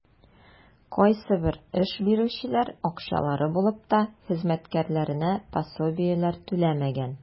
Кайсыбер эш бирүчеләр, акчалары булып та, хезмәткәрләренә пособиеләр түләмәгән.